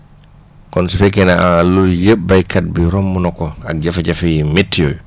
kon su fekkee ne loolu yëpp béykat bi romb na ko ak jafe-jafe yu métti yooyu